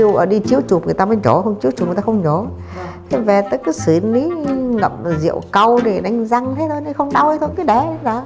phải đi chiếu chụp người ta mới nhổ không chiếu chụp người ta không nhổ về tớ cứ xử lý ngậm rượu cau đánh răng thế thôi không đau nên cứ để đến bây giờ